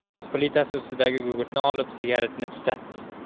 gaz plitasi ustidagi gugurtni olib sigaretni tutatdi